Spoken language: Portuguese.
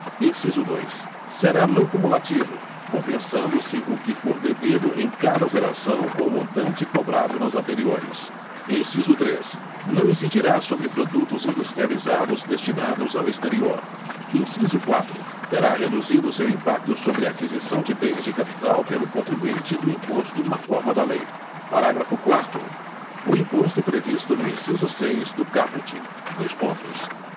inciso dois será não cumulativo compensando se o que for devido em cada operação com o montante cobrado nas anteriores inciso três não incidirá sobre produtos industrializados destinados ao exterior inciso quatro terá reduzido seu impacto sobre a aquisição de bens de capital pelo contribuinte do imposto na forma da lei parágrafo quarto o imposto previsto no inciso seis do caput dois pontos